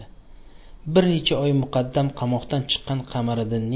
bir necha oy muqaddam qamoqdan chiqqan qamariddinning